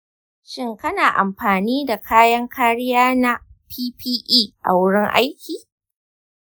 shin kana amfani da kayan kariya na ppe a wurin aiki?